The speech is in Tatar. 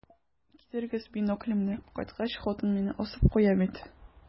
Китерегез биноклемне, кайткач, хатын мине асып куя бит.